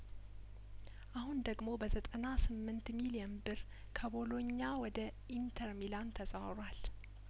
አሁን ደግሞ በዘጠና ስምንት ሚሊየን ብር ከቦሎኛ ወደ ኢንተር ሚላን ተዘዋውሯል